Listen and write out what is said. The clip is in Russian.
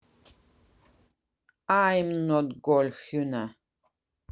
i'm not cool хьюна